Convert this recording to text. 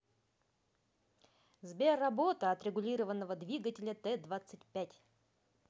сбер работа отрегулированного двигателя т двадцать пять